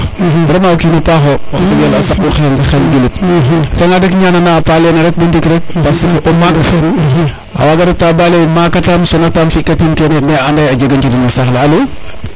vraiment o kino paxo wax deg yala a sak u xeeñ joulit a fiya ngan rek i ñana na a pa lene rek bondik rek parce que o maak a waga reta ba leye maka tam sona tan fika tiim kene mais a adne ye a jega o njiriñno saax le alo